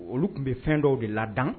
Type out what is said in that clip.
Olu tun bɛ fɛn dɔw de la